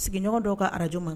Sigiɲɔgɔn dɔw ka arajɲuman